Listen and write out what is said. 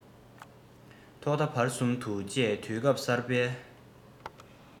ཐོག མཐའ བར གསུམ དུ བཅས དུས སྐབས གསར པའི